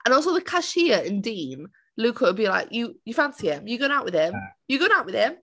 And os oedd y cashier yn dyn Luca would be like "You you fancy him? You going out with him?"... ie ..."You going out with him?"